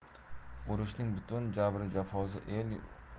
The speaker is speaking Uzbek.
urushning butun jabru jafosi